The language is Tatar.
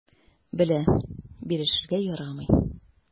Белә: бирешергә ярамый.